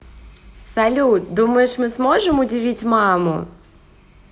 салют думаешь мы сможем удивить маму